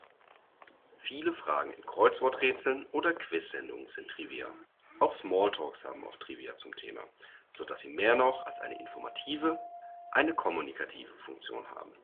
Viele Fragen in Kreuzworträtseln oder Quizsendungen sind Trivia. Auch Small Talks haben oft Trivia zum Thema, so dass sie mehr noch als eine informative eine kommunikative Funktion haben